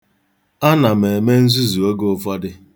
Ana m eme nzuzu oge ụfọdụ.